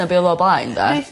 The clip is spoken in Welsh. ...na be' odd o blaen 'de?